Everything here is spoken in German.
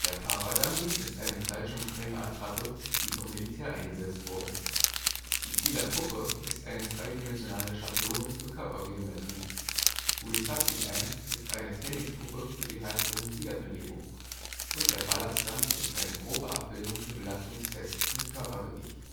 Paradummy – eine Fallschirmspringerattrappe die vom Militär eingesetzt wurde Kieler Puppe – eine zweidimensionale Schablone der Körpergeometrie Resusci-Anne – eine Trainingspuppe für die Herz-Lungen-Wiederbelebung Ballast-Dummy – Grobe Körperabbildung für Belastungstests mit Körpergewicht